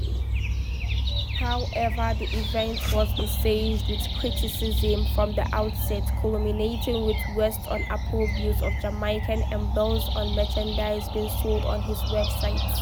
However, the event was besieged with criticism from the outset, culminating with West's unapproved use of Jamaican emblems on merchandise being sold on his website.